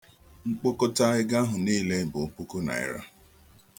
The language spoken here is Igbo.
Mgbakọta ego ahụ niile bu N1,000.00